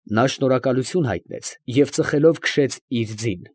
Նա շնորհակալություն հայտնեց, և ծխելով քշեց իր ձին։